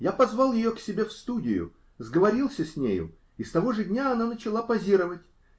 Я позвал ее к себе в студию, сговорился с нею, и с того же дня она начала позировать.